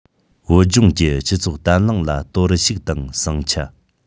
བོད ལྗོངས ཀྱི སྤྱི ཚོགས བརྟན བརླིང ལ གཏོར བཤིག དང ཟིང ཆ